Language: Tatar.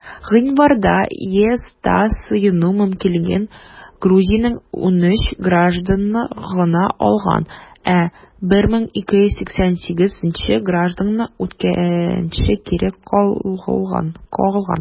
Гыйнварда ЕСта сыену мөмкинлеген Грузиянең 13 гражданы гына алган, ә 1288 гражданның үтенече кире кагылган.